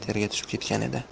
terga tushib ketgan edi